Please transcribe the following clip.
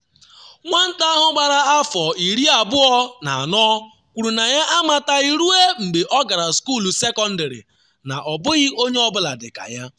Nwata ahụ gbara afọ 24 kwuru na ya amataghị ruo mgbe ọ gara skuul sekọndịrị na “ọ bụghị onye ọ bụla dị ka ya.”